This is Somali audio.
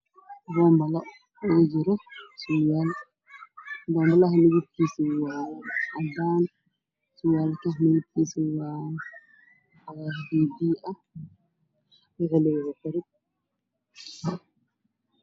Waxaa ii muuqda boom bal haddana waxaana loo geliyay surwer midabkiisu yahay cadays hoosna lastiig ka ah korna lastiig ka ah